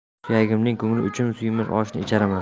suyganimning ko'ngli uchun suymas oshni icharman